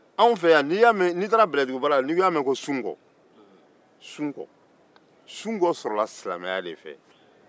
n'i y'a mɛn ko sunkɔ o sɔrɔla silamɛya de fɛ